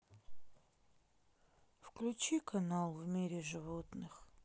включи канал в мире животных